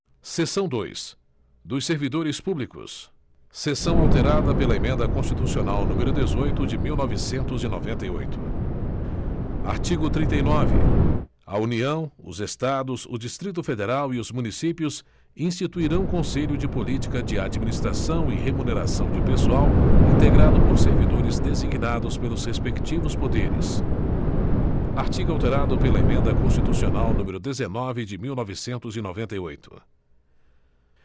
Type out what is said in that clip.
seção dois dos servidores públicos seção alterada pela emenda constitucional número dezoito de mil e novecentos e noventa e oito artigo trinta e nove a união os estados o distrito federal e os municípios instituirão conselho de política de administração e remuneração de pessoal integrado por servidores designados pelos respectivos poderes artigo alterado pela emenda constitucional número dezenove de mil e novecentos e noventa e oito